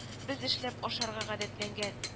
Без эшләп ашарга гадәтләнгән